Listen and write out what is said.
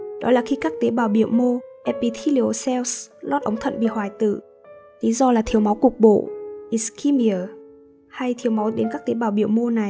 đó là khi các tế bào biểu mô lót ống thận hoại tử lý do là thiếu máu cục bộ hay thiếu máu cung cấp đến các tế bào biểu mô này